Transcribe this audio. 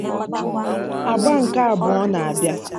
Agba nke abụọ na-abịa.